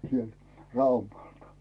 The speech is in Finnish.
sieltä Raumalta